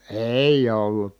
ei ei ollut